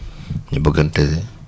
ñu bëggante